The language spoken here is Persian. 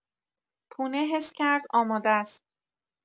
پونه حس کرد آماده‌ست.